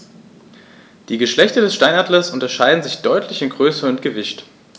Die Geschlechter des Steinadlers unterscheiden sich deutlich in Größe und Gewicht.